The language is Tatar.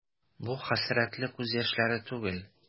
Бу хәсрәтле күз яшьләре түгел.